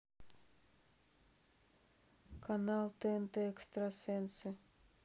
канал тнт экстрасенсы